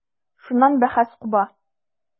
Шуннан бәхәс куба.